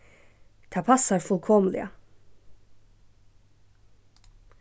tað passar fullkomiliga